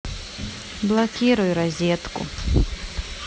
блокируй розетку